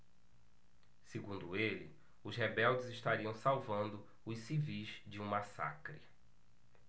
segundo ele os rebeldes estariam salvando os civis de um massacre